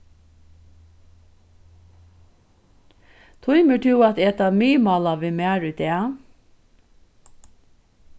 tímir tú at eta miðmála við mær í dag